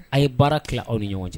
A ye baara tila aw ni ɲɔgɔn cɛ